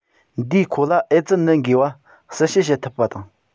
འདིས ཁོ ལ ཨེ ཙི ནད འགོས པ གསལ བཤད བྱེད ཐུབ པ དང